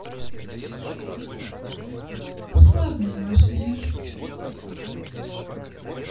славная машина